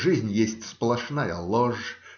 жизнь есть сплошная ложь